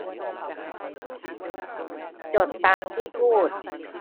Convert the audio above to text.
จดตามที่พูด